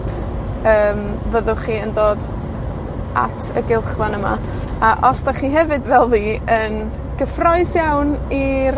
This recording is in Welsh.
...yym, fyddwch chi yn dod at y gylch fan yma, a os 'dach chi hefyd fel fi, yn cyffrous iawn i'r